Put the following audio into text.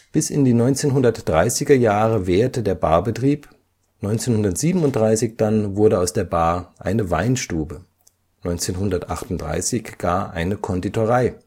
Bis in die 1930er Jahre währte der Barbetrieb, 1937 dann wurde aus der Bar eine „ Weinstube “, 1938 gar eine Konditorei